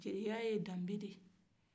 jeliya ye dan be de ye